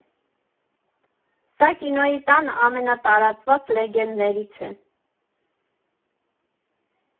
Սա Կինոյի տան ամենատարածված լեգենդներից է։